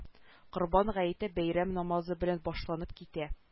Корбан гаете бәйрәм намазы белән башланып китә